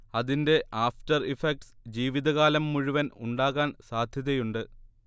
അതിന്റെ after effects ജീവിതകാലം മുഴുവൻ ഉണ്ടാകാൻ സാധ്യതയുണ്ട്